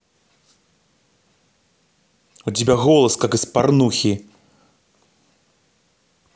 у тебя голос как из порнухи